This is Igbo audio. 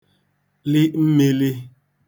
li mmīlī